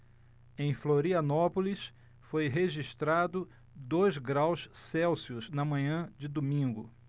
em florianópolis foi registrado dois graus celsius na manhã de domingo